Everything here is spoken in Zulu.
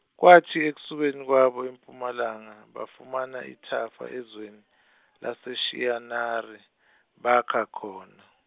kwathi ekusukeni kwabo empumalanga, bafumana ithafa ezweni, laseShineyari, bakha khona.